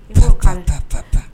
Awkan ta pata